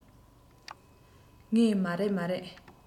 ངས མ རེད མ རེད